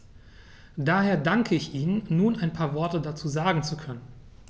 Daher danke ich Ihnen, nun ein paar Worte dazu sagen zu können.